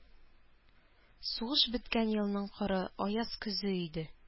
Сугыш беткән елның коры, аяз көзе иде.